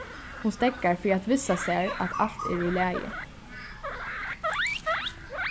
hon steðgar fyri at vissa sær at alt er í lagi